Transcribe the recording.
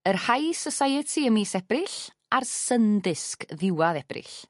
Yr high society ym mis Ebrill a'r sun disc ddiwadd Ebrill.